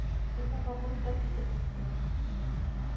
Безнең вагон дырк итеп китте